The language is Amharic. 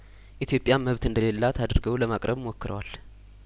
ኢትዮጵያን መብት እንደሌላት አድርገው ለማቅረብ ሞክረዋል